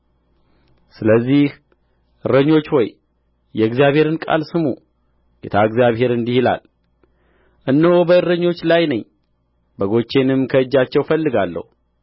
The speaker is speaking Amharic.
ስለዚህ እረኞች ሆይ የእግዚአብሔርን ቃል ስሙ ጌታ እግዚአብሔር እንዲህ ይላል እነሆ በእረኞች ላይ ነኝ በጎቼንም ከእጃቸው እፈልጋለሁ